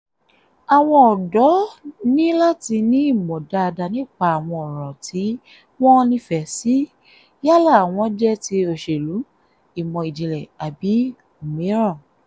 Àwọn ọ̀dọ́ ní láti ní ìmọ̀ dáadáa nípa àwọn ọ̀ràn tí wọ́n nífẹ̀ẹ́ sí — yálà wọ́n jẹ́ ti òṣèlú, ìmọ̀ ìjìnlẹ̀, àbí òmíràn.